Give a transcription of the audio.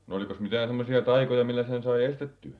no olikos mitään semmoisia taikoja millä sen sai estettyä